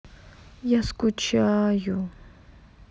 я скучаю